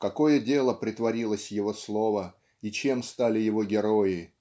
в какое дело претворилось его слово и чем стали его герои